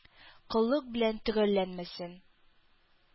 Коллык белән төгәлләнмәсен!